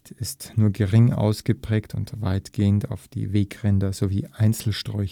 ist nur gering ausgeprägt und weitgehend auf die Wegränder sowie Einzelsträucher